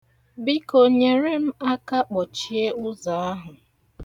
Biko, nyere m aka kpọchie ụzọ ahụ.